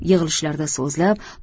yig'ilishlarda so'zlab